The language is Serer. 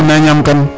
Den naa ñaamkan